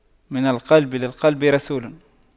من القلب للقلب رسول